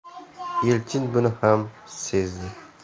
elchin buni ham sezdi